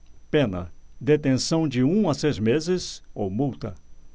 pena detenção de um a seis meses ou multa